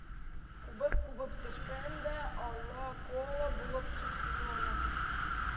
Кубып-кубып төшкән дә ала-кола булып шыксызланып